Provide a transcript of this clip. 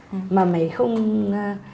mà mày không a